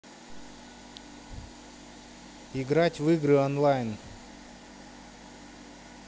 играть в игры онлайн